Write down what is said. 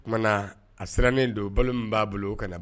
Tumana a sirannen don, balo b'a bolo, o ka na